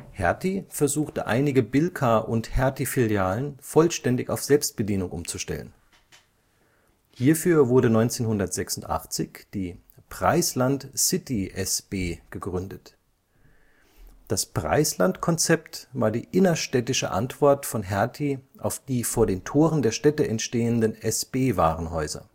Hertie versuchte einige Bilka - und Hertie-Filialen vollständig auf Selbstbedienung umzustellen. Hierfür wurde 1986 die „ Preisland-City-SB “gegründet. Das Preisland-Konzept war die innerstädtische Antwort von Hertie auf die vor den Toren der Städte entstehenden SB-Warenhäuser